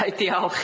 Ia diolch.